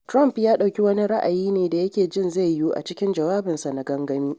Trump ya ɗauki wani ra’ayi da yake jin zai yiwu a cikin jawabinsa na gangami.